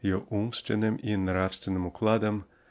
ее умственным и нравственным укладом